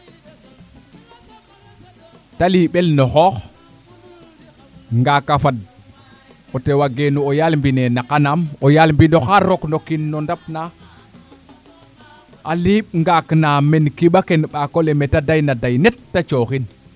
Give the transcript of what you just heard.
te limbel no xooxngaka fad o tewo geenu o ley yaal mbine naqanaam o yaal mbine xa rok no kiin no ndap na a liiɓ ngaak na man kembake mbakole meta dey na dey net te cooxin